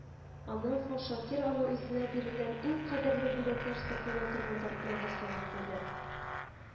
Аннан соң Шакир аны үзенә бирелгән иң кадерле бүләкләр саклана торган тартмага салып куйды